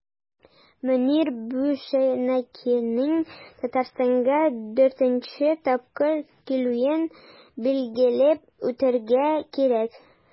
Мөнир Бушенакиның Татарстанга 4 нче тапкыр килүен билгеләп үтәргә кирәк.